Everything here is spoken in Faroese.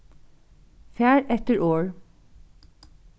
far eftir orð